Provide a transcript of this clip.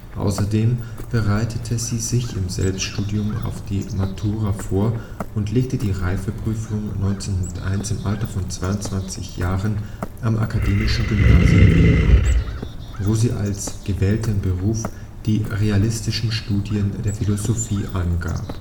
Außerdem bereitete sie sich im Selbststudium auf die Matura vor und legte die Reifeprüfung 1901 im Alter von 22 Jahren am Akademischen Gymnasium Wien ab, wo sie als gewählten Beruf die realistischen Studien der Philosophie angab